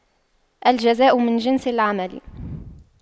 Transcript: الجزاء من جنس العمل